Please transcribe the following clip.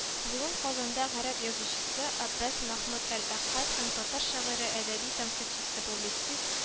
Бүген Казанда гарәп язучысы Аббас Мәхмүт әл-Аккад һәм татар шагыйре, әдәби тәнкыйтьчесе, публицист